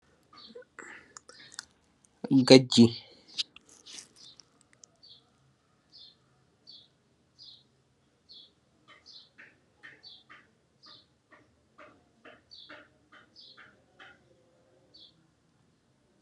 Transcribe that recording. Gaygi